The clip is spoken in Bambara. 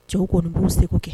Cɛw kɔni bu sekou kɛ.